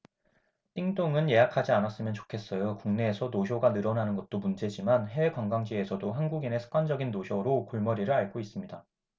띵똥은 예약하지 않았으면 좋겠어요국내에서 노쇼가 늘어나는 것도 문제지만 해외 관광지에서도 한국인의 습관적인 노쇼로 골머리를 앓고 있습니다